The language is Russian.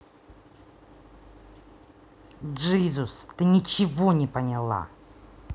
джизус ты ничего не поняла